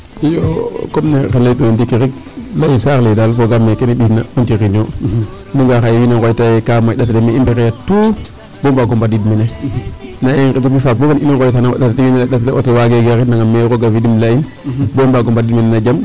Iyo comme xene laytuuna ndiiki rek lay ee saax le daal foogaam ee ke i ɓisiidna o njiriñ o ndaa xaye wiin we ngooyta yee i mbexey tout bo mbaago mbadiid mene mais gariid nangam um lay ee bo i mbaag o mbadiid mene fa jam.